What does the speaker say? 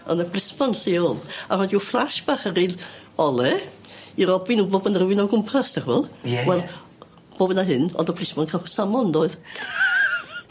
O'dd yn blismon lleol a radio flash bach yn neud ole i Robin w'bod bo' 'na rywun o gwmpas d'ch wel. Ie ie. Wel bob hyn a hyn o'dd y plismon ca'l samon doedd?